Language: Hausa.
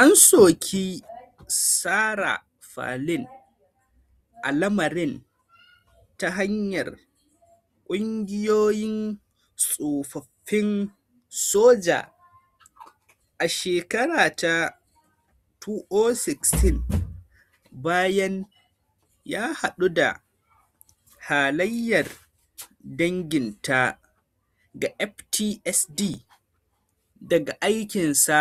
An soki Sarah Palin a lamarin ta hanyar kungiyoyin tsofaffin soja a shekara ta 2016 bayan ya haɗu da halayyar danginta ga PTSD daga aikinsa